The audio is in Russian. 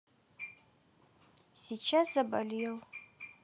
сейчас заболел